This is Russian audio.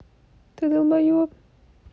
ты долбоеб